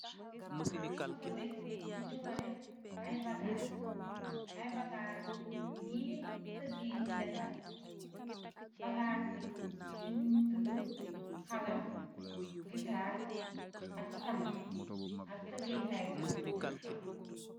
Otto bi, mu ngi wone ay bagaas. Ay bagaas yiiy tëggë di defer. Bagaas i,ñu ñgi yuda, xalam, gitaar tama ak tëgee kaay tama.